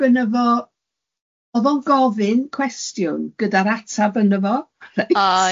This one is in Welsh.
gynno fo o'dd o'n gofyn cwestiwn gyda'r atab yno fo reit.